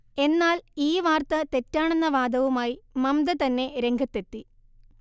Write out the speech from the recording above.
എന്നാൽ ഈ വാർത്ത തെറ്റാണെന്ന് വാദവുമായി മംമ്ത തന്നെ രംഗത്തെത്തി